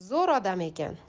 zo'r odam ekan